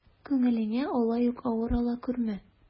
Күңелеңә алай ук авыр ала күрмә.